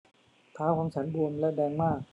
เท้าของฉันบวมและแดงมาก